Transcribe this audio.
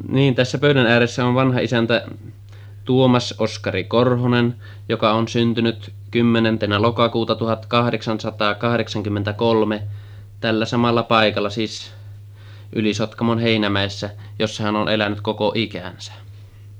niin tässä pöydän ääressä on vanhaisäntä Tuomas Oskari Korhonen joka on syntynyt kymmenentenä lokakuuta tuhat kahdeksansataa kahdeksankymmentä kolme tällä samalla paikalla siis Yli-Sotkamon Heinämäessä jossa hän on elänyt koko ikänsä